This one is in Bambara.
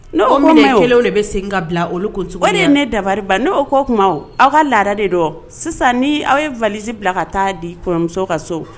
N o min kelen de bɛ segin ka bila olu kun ne darin ba n' kɔ kuma aw ka laada de dɔn sisan ni aw ye valizsi bila ka taa di kɔɲɔmuso ka so